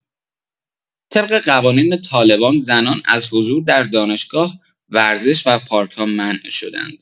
طبق قوانین طالبان، زنان از حضور در دانشگاه، ورزش و پارک‌ها منع شده‌اند.